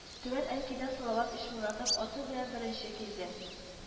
Түбән Әлкидән Салават Ишмуратов аты белән беренче килде